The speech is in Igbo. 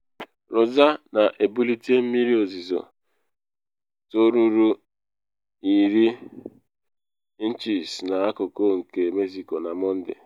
Rosa ga-ebulite mmiri ozizo toruru 10 inchis n’akụkụ nke Mexico na Mọnde.